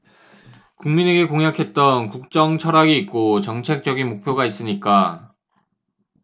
국민에게 공약했던 국정 철학이 있고 정책적인 목표가 있으니까